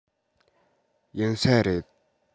ཡིན ས རེད